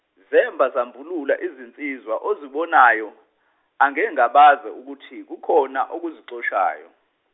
zemba zambulula izinsizwa ozibonayo angengabaze ukuthi kukhona okuzixoshayo.